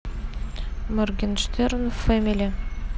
morgenshtern family